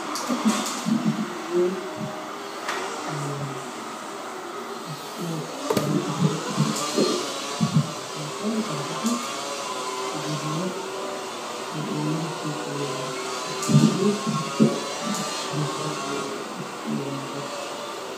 Kan waa guri wayn